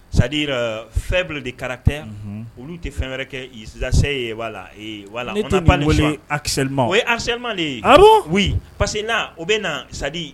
Sadi fɛn bila de karatatɛ olu tɛ fɛnɛrɛ kɛzsɛ ye la la akisɛli o ye hasma ye parce queina o bɛ na sa